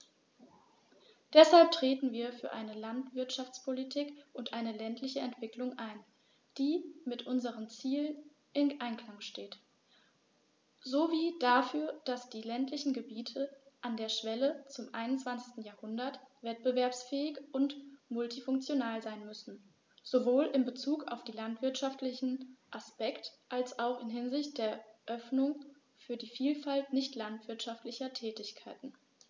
Deshalb treten wir für eine Landwirtschaftspolitik und eine ländliche Entwicklung ein, die mit unseren Zielen im Einklang steht, sowie dafür, dass die ländlichen Gebiete an der Schwelle zum 21. Jahrhundert wettbewerbsfähig und multifunktional sein müssen, sowohl in Bezug auf den landwirtschaftlichen Aspekt als auch hinsichtlich der Öffnung für die Vielfalt nicht landwirtschaftlicher Tätigkeiten.